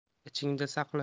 ichingda saqla